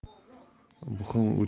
bu ham o'tib